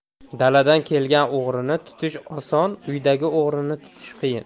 daladan kelgan o'g'rini tutish oson uydagi o'g'rini tutish qiyin